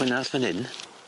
Mae un arall fyn 'yn.